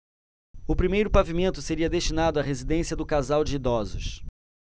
o primeiro pavimento seria destinado à residência do casal de idosos